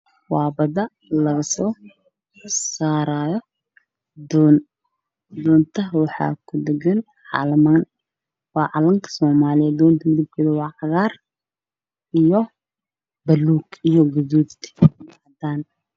Waa badda laga soo saarayo dooman doon waxaa kudhagan calaman waa calanka soomaaliya doonta midabkeedu waa cagaar, buluug iyo gaduud.